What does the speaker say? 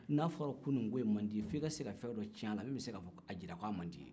n'a fɔra ko nin ko man d'i ye f'e ka se ka fɛn dɔ tiɲ'a la min bɛ se ka jira k'a man d'i ye